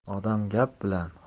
odam gap bilan